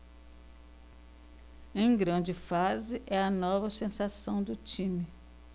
em grande fase é a nova sensação do time